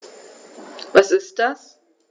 Was ist das?